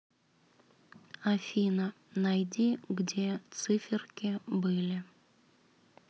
афина найди где циферки были